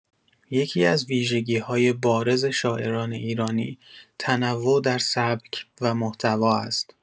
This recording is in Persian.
یکی‌از ویژگی‌های بارز شاعران ایرانی، تنوع در سبک و محتوا است.